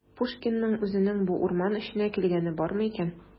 Пушкинның үзенең бу урман эченә килгәне бармы икән?